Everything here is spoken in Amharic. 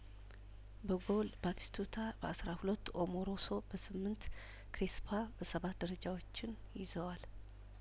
በጐል ባቲስቱታ በአስራ ሁለት ኦሞሩሶ በስምንት ክርስፖ በሰባት ደረጃዎችን ይዘዋል